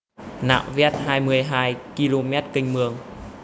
nạo vét hai mươi hai ki lô mét kênh mương